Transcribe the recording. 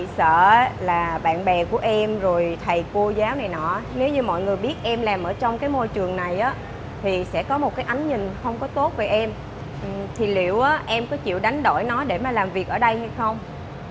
chỉ sợ là bạn bè của em rồi thầy cô giáo này nọ nếu như mọi người biết em làm ở trong cái môi trường này á thì sẽ có một cái ánh nhìn không tốt tốt với em ừ thì liệu em có chịu đánh đổi nó để mà làm việc ở đây hay không